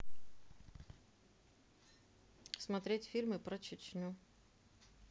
смотреть фильмы про чечню